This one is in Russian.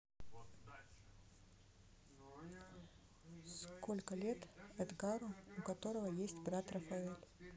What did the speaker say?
сколько лет эдгару у которого есть брат рафаэль